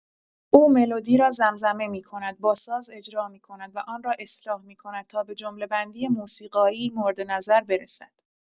او ملودی را زمزمه می‌کند، باساز اجرا می‌کند و آن را اصلاح می‌کند تا به جمله‌بندی موسیقایی مورد نظر برسد.